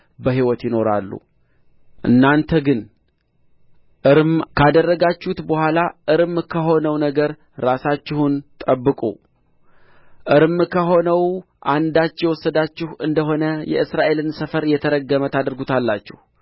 በሕይወት ይኖራሉ እናንተ ግን እርም ካደረጋችሁት በኋላ እርም ከሆነው ነገር ራሳችሁን ጠብቁ እርም ከሆነው አንዳች የወሰዳችሁ እንደ ሆነ የእስራኤልን ሰፈር የተረገመ ታደርጉታላችሁ